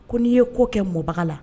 Ko n'i ye ko kɛ mɔgɔbaga la